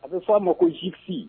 A bɛ f'a ma ko jisi